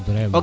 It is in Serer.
vraiment